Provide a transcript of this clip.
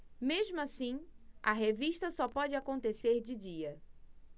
mesmo assim a revista só pode acontecer de dia